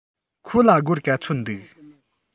ཁོ ལ སྒོར ག ཚོད འདུག